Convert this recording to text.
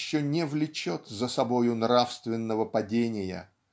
еще не влечет за собою нравственного падения.